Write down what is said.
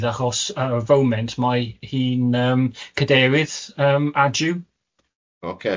achos ar y foment, mae hi'n yym cadeirydd yym ... Ocê.